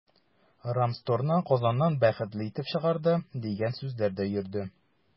“рамстор”ны казаннан “бәхетле” этеп чыгарды, дигән сүзләр дә йөрде.